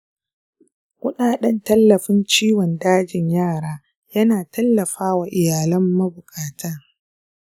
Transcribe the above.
kuɗaɗen tallafin ciwon dajin yara yana tallafawa iyalan mabuƙata.